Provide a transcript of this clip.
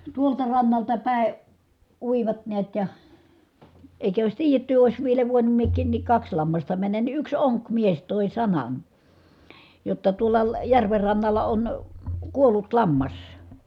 tuolta rannalta päin uivat näet ja eikä olisi tiedetty olisi vielä voinut minäkin niin kaksi lammasta mennä niin yksi onkimies toi sanan jotta tuolla järven rannalla on kuollut lammas